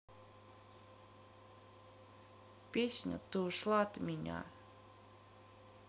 песня ты ушла от меня